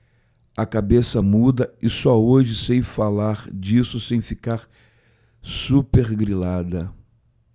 a cabeça muda e só hoje sei falar disso sem ficar supergrilada